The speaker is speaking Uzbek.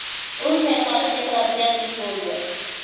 u chayqalib yiqiladigandek bo'ldi